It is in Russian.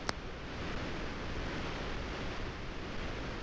дочь на ютубе